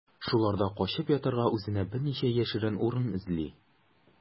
Шуларда качып ятарга үзенә берничә яшерен урын әзерли.